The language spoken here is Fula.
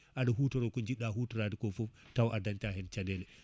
aɗa hutoro ko jiɗɗa hutorade ko foof taw a dañta hen caɗele